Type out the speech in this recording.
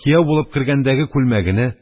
Кияү булып кергәндәге күлмәгене,